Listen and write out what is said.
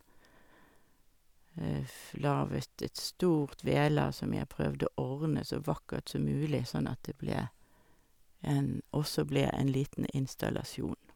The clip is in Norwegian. f Laget et stort vedlag som jeg prøvde å ordne så vakkert som mulig, sånn at det ble en også ble en liten installasjon.